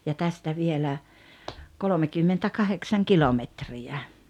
ja tästä vielä kolmekymmentäkahdeksan kilometriä